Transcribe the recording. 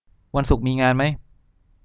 วันศุกร์มีงานมั้ย